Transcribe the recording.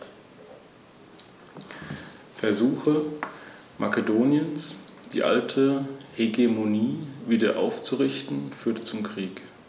Nach dem Fall Saguntums und der Weigerung der Regierung in Karthago, Hannibal auszuliefern, folgte die römische Kriegserklärung.